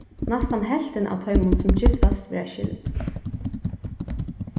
næstan helvtin av teimum sum giftast verða skild